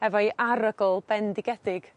efo'u arogl bendigedig.